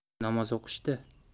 namoz o'qishda